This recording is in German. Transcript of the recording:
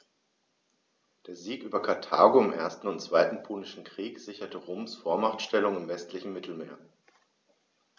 Der Sieg über Karthago im 1. und 2. Punischen Krieg sicherte Roms Vormachtstellung im westlichen Mittelmeer.